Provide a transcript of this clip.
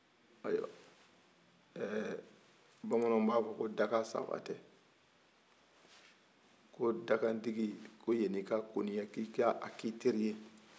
ayiwa bamananw b'a fɔ ko dakan sa baa ko dagatigi y'a ni ka kɔniya k'i ka ki teri ye